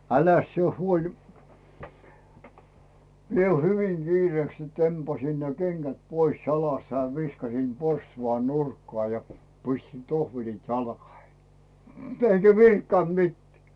äläs sinä huoli minä hyvin kiireeksi sitten tempasin ne kengät pois jalasta ja viskasin porstuan nurkkaan ja pistin tohvelit jalkoihini enkä virkkannut mitään